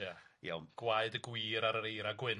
Gwaed y gwir ar yr eira gwyn.